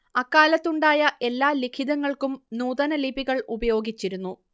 അക്കാലത്തുണ്ടായ എല്ലാ ലിഖിതങ്ങൾക്കും നൂതന ലിപികൾ ഉപയോഗിച്ചിരുന്നു